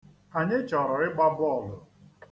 Anyị chọrọ ịgba bọọlụ.